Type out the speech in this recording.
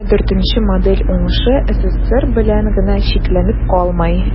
124 нче модель уңышы ссср белән генә чикләнеп калмый.